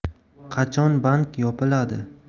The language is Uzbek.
qachon bank yopiladi